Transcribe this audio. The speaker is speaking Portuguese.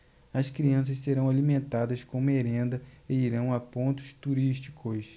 as crianças serão alimentadas com merenda e irão a pontos turísticos